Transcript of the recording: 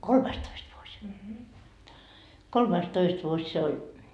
kolmastoista vuosi kolmastoista vuosi se oli